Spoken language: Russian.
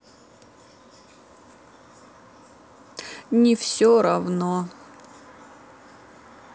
не все равно